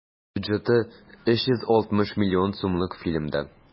Бюджеты 360 миллион сумлык фильмда.